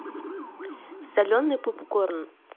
соленый попкорн